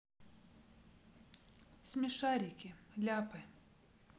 смешарики ляпы